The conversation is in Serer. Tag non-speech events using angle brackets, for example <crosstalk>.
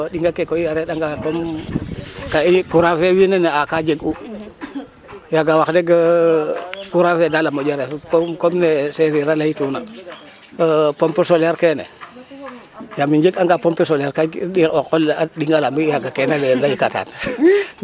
To a ɗinganga ko koy a refanga comme ka i courant fe wiin we ne'aa kaa jeg'u yaaga wax deg e% courant fe daal a moƴa ref comme ne Serir a laytuna e% pompe solaire kene yaam i njeganga pompe solaire kay ndik o qol la a ɗing ala mi yaaga <laughs> ke na layel laykatan